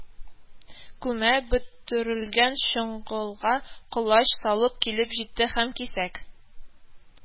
Күмә бөтерелгән чоңгылга колач салып килеп җитте һәм кисәк